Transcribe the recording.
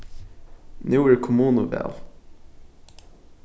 nú er kommunuval